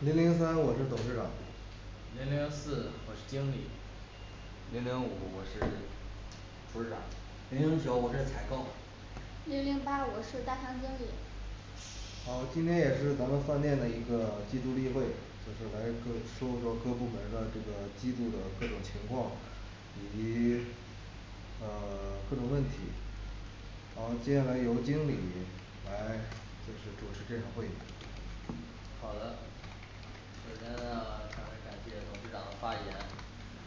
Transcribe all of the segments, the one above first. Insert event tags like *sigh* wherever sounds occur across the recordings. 零零三我是董事长零零四我是经理零零五我是厨师长零零九我是采购零零八我是大堂经理好，今天也是咱们饭店的一个季度例会，来说说说各部门儿的这个季度的各种情况，以及 *silence* 嗯各种问题好接下来由经理来来主持这次会议。好的首先呢刚才感谢董事长的发言，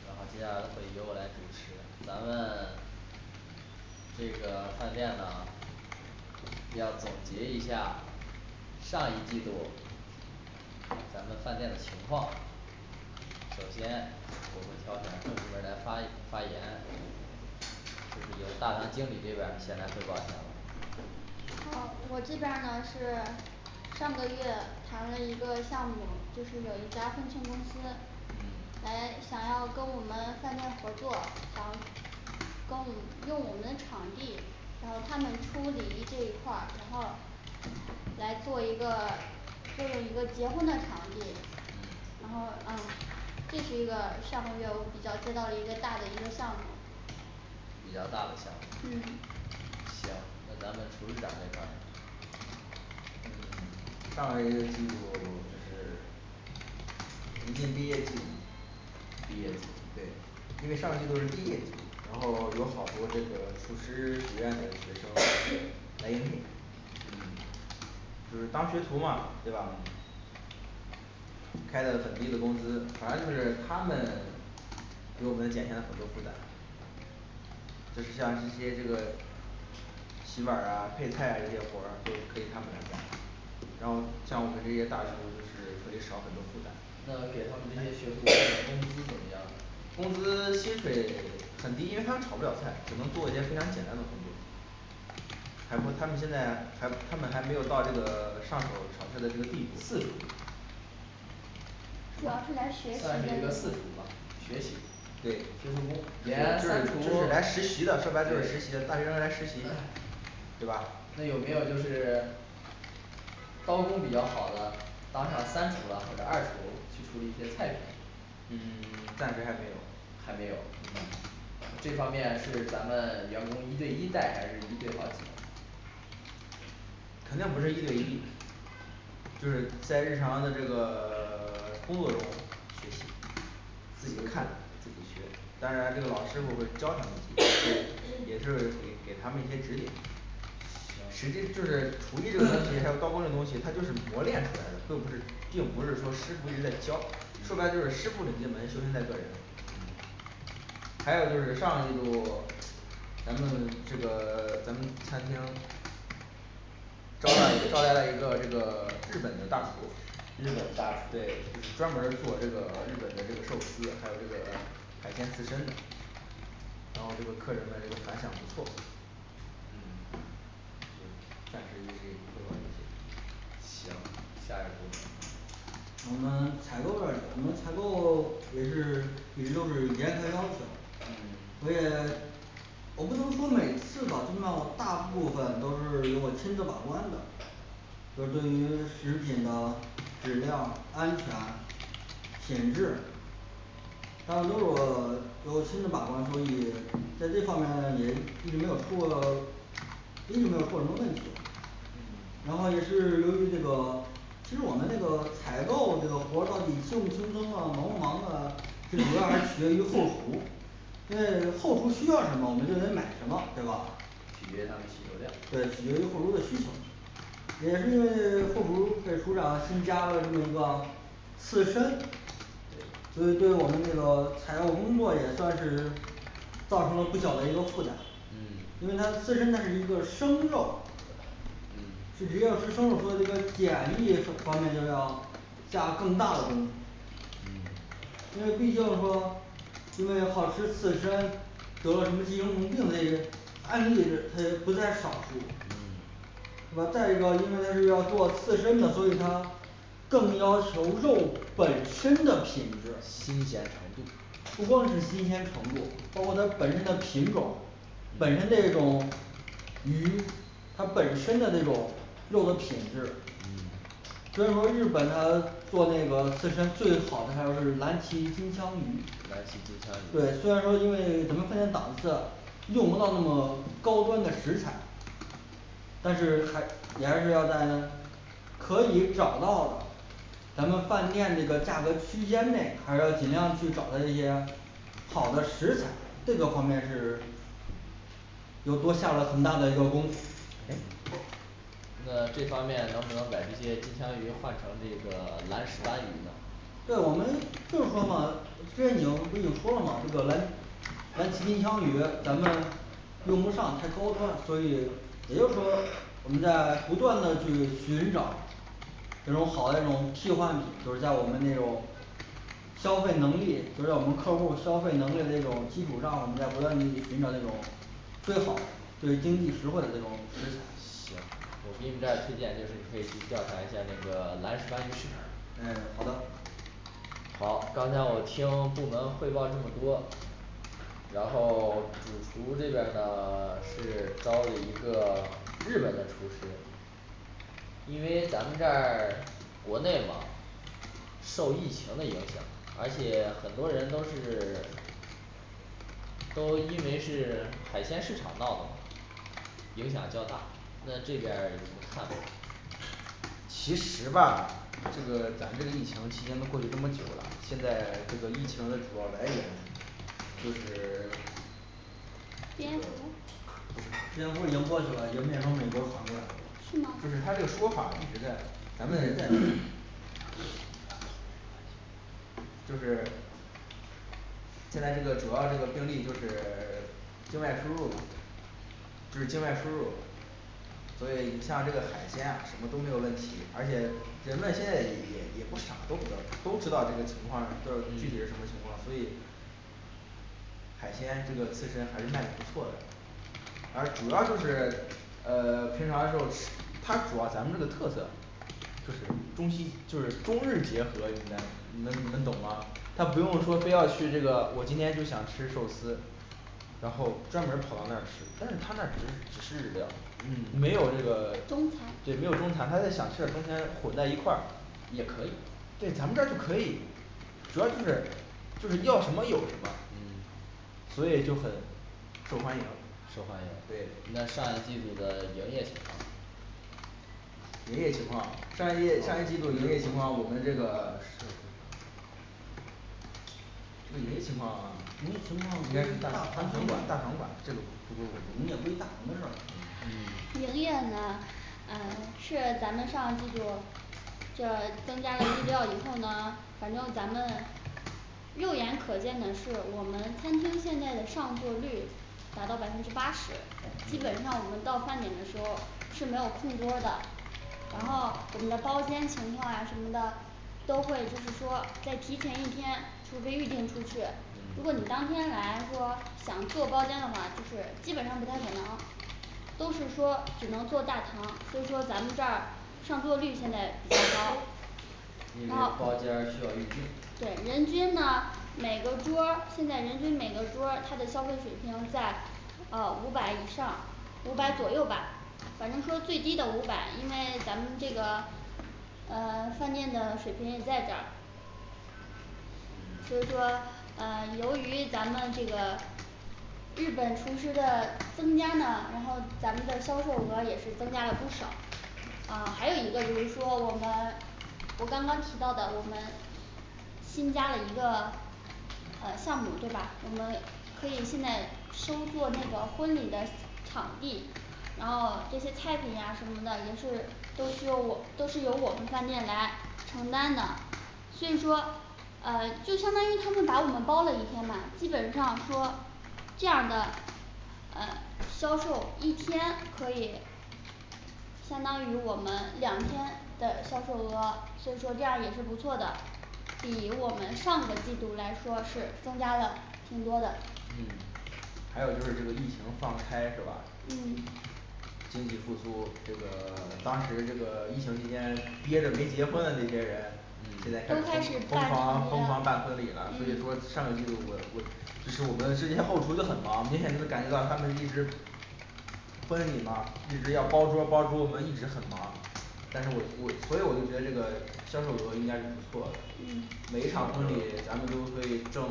然后接下来的会议由我来主持咱们这个饭店呢要总结一下上一季度咱们的饭店的情况首先我会挑选各部门儿来发发言由大堂经理这边儿先来汇报一下吧。好，我这边儿呢是上个月谈了一个项目，就是有一家婚庆公司嗯来想要跟我们饭店合作，想跟我们用我们的场地，然后他们出礼仪这一块儿，然后来做一个做一个结婚的场地，然后嗯这是一个上个月我比较接到了一个大的一个项目比较大的项目嗯。 行，那咱们厨师长这块儿嗯上个一个季度就是学生毕业季毕业季对。因为上个季度都是毕业季，然后有好多这个厨师学院的学生 *hesitation* 来应聘嗯就是当学徒嘛对吧？嗯开的很低的工资，反正就是他们 *silence* 给我们减下来很多负担。就是像是些这个洗碗儿啊配菜啊这些活儿都可以可以他们来干然后像我们这些大厨就是所以少很多负担那给他们这些学徒工的 *hesitation* 工资怎么样呢？工资薪水很低，因为他们炒不了菜，只能做一些非常简单的工作。还不他们现在还他们还没有到这个上手炒菜的这个地步，次厨主什要么是来算是学习的一个次厨吧，学习对学徒工就是就是就连三厨是来实习的，说白就是实对习的大学生来实习的对吧？那有没有就是 *silence* 刀工比较好的当上三厨啦或者二厨去处理一些菜品嗯 *silence* 暂时还还没没有有嗯。这方面是咱们员工一对一带还是一对好几？肯定不是一对一就是在日常的这个 *silence* 工作中学习自己看自己学当然这个老师傅会教他们也就是给给他们一些指点实行际就是厨艺这个东 *hesitation* 西，还有刀工这东西，它就是磨练出来的，会不是并不是说师傅之类教，说白就是师傅领进门修行在个人嗯还有就是上季度 *silence* 咱们这个 *silence* 咱们餐厅招了招来了一个这个日本的大厨日本大厨对就是专门儿做这个日本的这个寿司，还有这个海鲜刺身的然后这个客人的这个反响不错嗯就暂时就这汇报这些行下一个部门我们采购这里我们采购 *silence* 也是一直都是严格要求嗯，我也 *silence* 我不能说每次吧就送到大部分都是由我亲自把关的就对于食品的质量安全品质大部分都是我由我亲自把关，所以在这方面儿也一直没有出过。一直没有出过什么问题嗯然后也是由于这个其实我们这个采购这个活儿到底轻不轻松的忙不忙的，这主要还 *hesitation* 是取决于后厨，因为后厨需要什么我们就得买什么对吧取决于他的需求量，？对取决于后厨的需求也是因为 *silence* 后厨给厨师长新加了这么一个刺参对所以对我们这个采购工作也算是造成了不小的一个负担嗯。因为它刺身它是一个生肉嗯是只要吃生肉所以这个检疫是方面一定要下更大的功夫嗯因为毕竟说因为好吃刺身得了什么寄生虫病这些案例是它不在少数嗯是吧？再一个因为他是要做刺身的所以他更要求肉本身的品质新鲜程度，不光是新鲜程度，包括它本身的品种本身这种鱼它本身的这种肉的品质嗯所以说日本它做那个刺身最好的它就是蓝鳍金枪鱼蓝鳍金枪鱼，对，虽然说因为咱们饭店档次用不到那么高端的食材。但是还也还是要在可以找到的咱们饭店这个价格区间内还要尽量去找到一些好的食材，这个方面是 *silence* 又多下了很大的一个功夫那这方面能不能把这些金枪鱼换成这个蓝石斑鱼呢？对，我们就说嘛这您不已经说了嘛这个蓝蓝鳍金枪鱼咱们嗯用不上太高端，所以也就是说我们在不断的去寻找一种好那种替换品，就是在我们那种消费能力，就是要我们客户儿消费能力的这种基础上，我们在不断的去寻找这种最好的最经济实惠的这种食行材，我给你们这儿推荐，就是你可以去调查一下儿那个蓝石斑鱼市场。，哎好的好，刚才我听部门汇报这么多，然后 *silence* 主厨这边儿呢 *silence* 是招了一个日本的厨师，因为咱们这儿 *silence* 国内嘛受疫情的影响，而且很多人都是 *silence* 都因为是海鲜市场闹的影响较大，那这边儿你们看其实吧这个咱这个疫情期间都过去这么久了，现在这个疫情的主要来源就是 *silence* 蝙蝠，是吗不是就是蝙蝠他已这经个说过去法了，已一经直在变成咱美国传过来的了们 *crosstalk* 就是他这个说法一直在咱们 *crosstalk* 就是现在这个主要这个病例就是 *silence* 境外输入嘛就是境外输入所以你像这个海鲜啊什么都没有问题，而且人们现在也也也不傻都知道都知道这个情况儿就具体是什么情况，所以海鲜这个刺参还是卖的不错的。而主要就是呃平常时候吃它主要咱们这个特色，就是中西就是中日结合明白你们你们懂吗？他不用说非要去这个，我今天就想吃寿司然后专门儿跑到那儿吃，但是他那儿只只是日料嗯没有这个中餐对没有中餐，他在想吃的中间混在一块儿也可以对咱们这儿是可以主要就是就是要什么有什么？嗯所以就很受欢迎受欢，对迎，那上一季度的营业情况，营业情况，上一季上一季度营业情况，我们这个这个营业情况 *silence* 营应业情况归该是大大大堂堂经理管管大堂管这个不归我，营业归们大堂的事儿，嗯营业呢嗯是咱们上季度这儿增加了日料 *hesitation* 以后呢，反正咱们肉眼可见的是我们餐厅现在的上座率达到百分之八十嗯，基本上我们到饭点的时候是没有空桌儿的然后我们的包间情况啊什么的，都会就是说在提前一天除非预订出去，如果你嗯当天来说想坐包间的话，就是基本上不太可能都是说只能坐大堂，就是说咱们这儿上座率现在比较高一然楼后包间儿需要预定对人均呢每个桌儿现在人均每个桌儿它的消费水平在哦五百以上五百嗯左右吧，反正说最低的五百，因为咱们这个嗯饭店的水平也在这儿，嗯所以说嗯由于咱们这个日本厨师的增加呢，然后咱们的销售额也是增加了不少。啊还有一个就是说我们我刚刚提到的我们新加了一个呃项目对吧？我们可以现在收做那个婚礼的场地然后这些菜品呀什么的也是都是由我都是由我们饭店来承担的。所以说呃就相当于他们把我们包了一天嘛，基本上说这样的嗯销售一天可以相当于我们两天的销售额，所以说这样也是不错的比我们上个季度来说是增加了更多的嗯还有就是这个疫情放开是吧？嗯经济复苏这个当时这个疫情期间憋着没结婚的那些人，现在嗯都开开始始疯疯办，狂嗯疯狂办婚礼了，所以说上个季度我我只是我们这些后厨就很忙，明显就感觉到他们一直婚礼嘛一直要包桌儿包桌儿我们一直很忙，但是我我所以我就觉得这个销售额应该是不错的嗯，每一场婚礼咱们都可以挣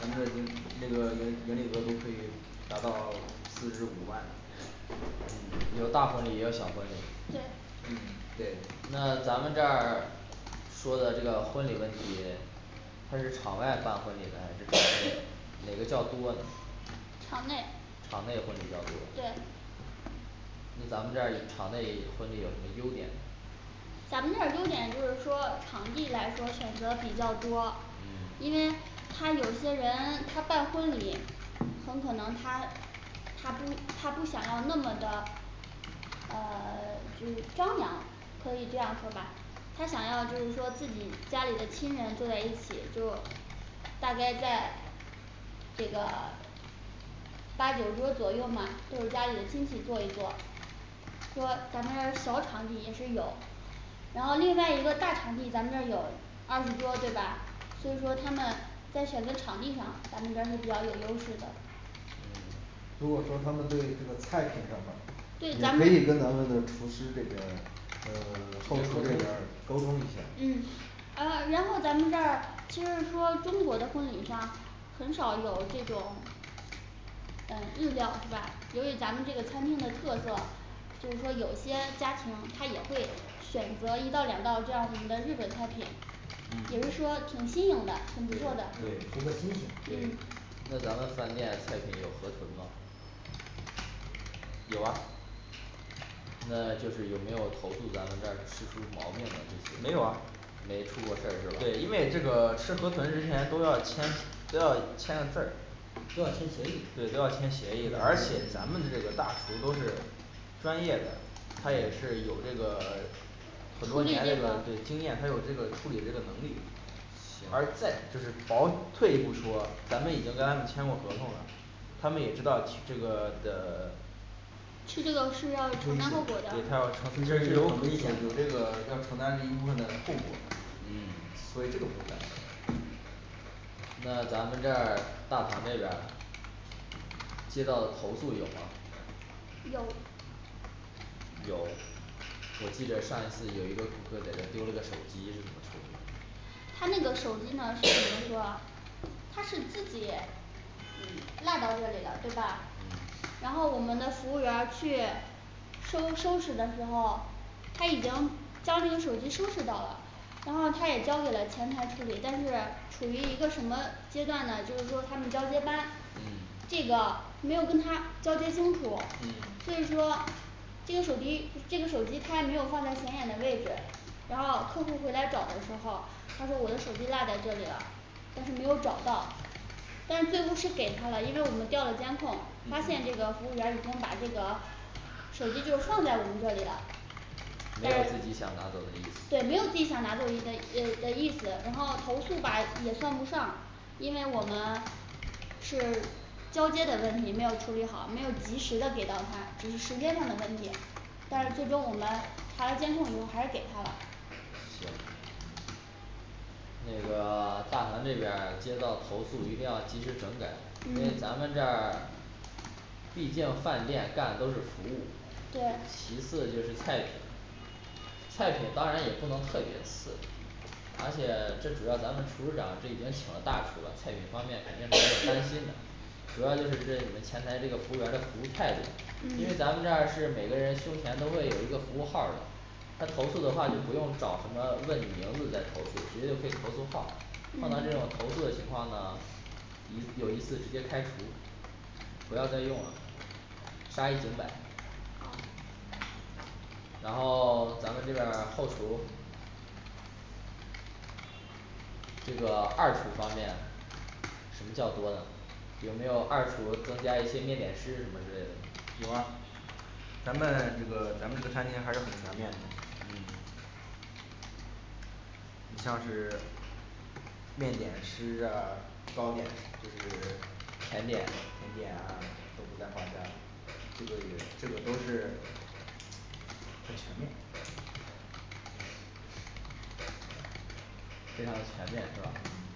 咱们的盈那个盈盈利额度可以达到四至五万，嗯大婚礼也有小婚礼对对那咱们这儿说的这个婚礼问题他是场外办婚礼呢还是场内哪个较多呢？场内，场内婚礼较多对那咱们这儿场内婚礼有什么优点呢？咱们这儿优点就是说场地来说选择比较多嗯，因为他有些人他办婚礼，很可能他他不他不想要那么的呃 *silence* 就是张扬，可以这样说吧，他想要就是说自己家里的亲人坐在一起就大概在这个八九桌左右嘛，都是家里的亲戚坐一坐说咱们这儿小场地也是有然后另外一个大场地，咱们这儿有二十桌对吧？所以说他们在选择场地上，咱们这儿是比较有优势的如果说他们对这个菜品什对咱么，你可们以跟咱们的厨师这边儿嗯后厨这边儿沟通一下嗯。呃然后咱们这儿其实说中国的婚礼上很少有这种嗯日料是吧？由于咱们这个餐厅的特色，就是说有些家庭他也会选择一道两道这样的日本菜品，嗯对也对是说挺新颖的，挺不错的图个新鲜对那咱们饭店菜品有河豚吗有啊那就是有没有投诉咱们这儿吃出毛病的，就没是有啊没出过事儿是对，因为这吧？个吃河豚之前都要签。都要签个字儿。都要签协议的对，都要签协议的，而且咱们的这个大厨都是专业的。他也是有这个 *silence* 很多年这个对经验，他有这个处理这个能力而行在就是薄退一步说，咱们已经跟他们签过合同了，他们也知道这个的 *silence* 吃这个是要承担危后果对险的他吃要承这，有个是很危这个险要的承担一部分的后果嗯。所以这个不用担心那咱们这儿大堂这边儿接到投诉有吗？有有我记着上一次有一个顾客在这儿丢了个手机是怎么处理的？他那个手机呢是那个他是自己嗯落到这里了对吧嗯？然后我们的服务员去收收拾的时候，他已经将这个手机收拾到了，然后他也交给了前台处理，但是处于一个什么阶段呢，就是说他们交接班嗯，这个没有跟他交接清楚，嗯所以说这个手机这个手机他也没有放在显眼的位置，然后客户回来找的时候，他说我的手机落在这里了，但是没有找到但是最后是给他了，因为我们调了监控，发现嗯这个服务员儿已经把这个手机就放在我们这里了没但有是自己想拿走的意思，对，没有自己想拿走的的的意思，然后投诉吧也算不上。 因为我们是交接的问题没有处理好，没有及时的给到他，只是时间上的问题。但是最终我们查了监控以后还是给他了行那个大堂这边儿接到投诉一定要及时整改，因为嗯咱们这儿毕竟饭店干的都是服务对。其次就是菜品，菜品当然也不能特别次而且最主要咱们厨师长这已经请了大厨了，菜品方面肯定是不用担心的主要就是这你们前台这个服务员儿的服务态度，因为嗯咱们这儿是每个人胸前都会有一个服务号儿的他投诉的话也不用找什么问你名字再投诉，直接就可以投诉号儿，碰到这嗯种投诉的情况呢一有一次直接开除不要再用了杀一儆百好然后 *silence* 咱们这边儿后厨这个二厨方面是比较多的有没有二厨增加一些面点师什么之类的呢？有啊咱们这个咱们这餐厅还是很全面的嗯你像是面点师啊糕点就是甜甜点点啊都不在话下。这个也这个都是很全面非常全面是吧？嗯